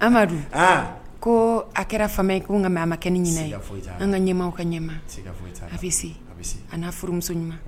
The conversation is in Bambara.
amadu ko a kɛra fa ye ko nka an ma kɛ ɲini an ka ɲɛ ka ɲɛma a bɛ an'a furumuso ɲuman